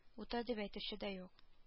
Утыр дип әйтүче дә юк